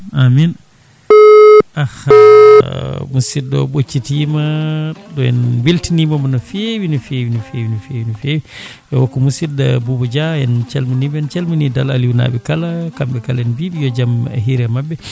amine aah musidɗo o ɓoccitima en beltinimomo no fewi no fewi no fewi no fewi no fewi o ko musidɗo Boubou Dia en calminimo en calmini Dal Aliou naaɓe kala kamɓe kala en mbiɓe yo jaam hiire mabɓe